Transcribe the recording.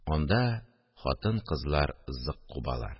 Анда хатын-кызлар зык кубалар